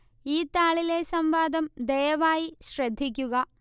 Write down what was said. ഈ താളിലെ സംവാദം ദയവായി ശ്രദ്ധിക്കുക